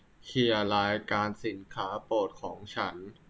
เคลียร์รายการสินค้าโปรดของฉัน